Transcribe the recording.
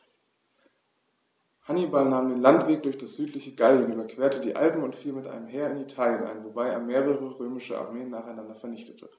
Hannibal nahm den Landweg durch das südliche Gallien, überquerte die Alpen und fiel mit einem Heer in Italien ein, wobei er mehrere römische Armeen nacheinander vernichtete.